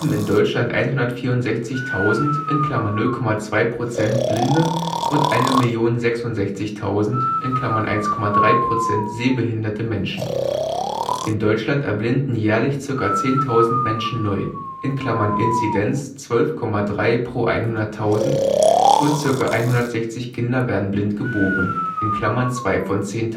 in Deutschland 164.000 (0,2 %) blinde und 1.066.000 (1,3 %) sehbehinderte Menschen. In Deutschland erblinden jährlich ca. 10.000 Menschen neu (Inzidenz 12,3/100.000) und ca. 160 Kinder werden blind geboren (2 von 10.000